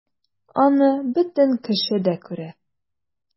Аны бөтен кеше дә күрә...